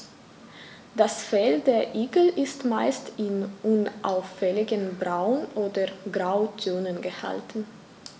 Das Fell der Igel ist meist in unauffälligen Braun- oder Grautönen gehalten.